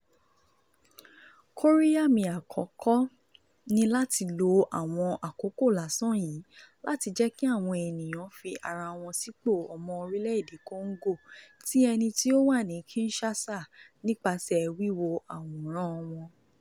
Kóríyá mi àkọ́kọ́ ni láti lo àwọn àkókò lásán yìí, láti jẹ́ kí àwọn ènìyàn fi ara wọ́n sípò ọmọ orílẹ̀ èdè Congo, ti ẹni tí ó wà ní Kinshasa, nípasẹ̀ wíwo àwòrán wọn.